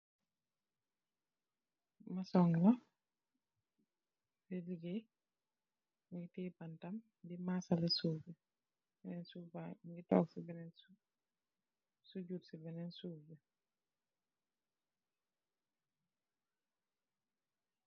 Masong la di legey munge teyeh bantam di maseleh suff bi kenen ki munge tok si benen suff bi